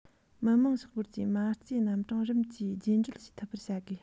མི དམངས ཤོག སྒོར གྱི མ རྩའི རྣམ གྲངས རིམ གྱིས བརྗེ འགྲུལ བྱེད ཐུབ པར བྱ དགོས